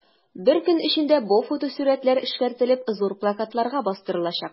Бер көн эчендә бу фотосурәтләр эшкәртелеп, зур плакатларда бастырылачак.